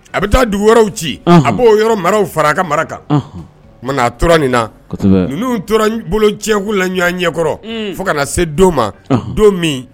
A bɛ taa dugu yɔrɔw ci a b'o yɔrɔ maraw fara a ka maraka nka tora nin na n tora bolo tiɲɛkulu la ɲɔgɔn ɲɛkɔrɔ fo ka na se don ma don min